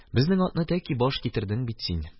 – безнең атны тәки баш китердең бит син.